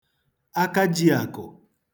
akajīàkụ̀